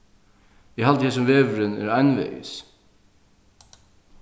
eg haldi hesin vegurin er einvegis